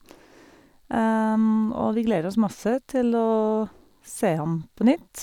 Og vi gleder oss masse til å se ham på nytt.